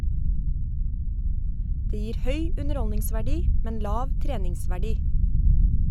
Det gir høy underholdningsverdi, men lav treningsverdi.